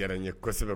Garan n ye kosɛbɛ